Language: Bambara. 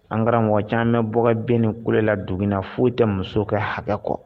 Ankara caman bɛ bden nin ku la dugu na foyi tɛ muso kɛ hakɛ kɔ